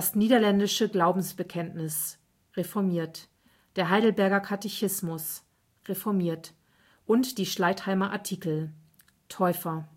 Niederländisches Glaubensbekenntnis (reformiert) Heidelberger Katechismus (reformiert) Schleitheimer Artikel (Täufer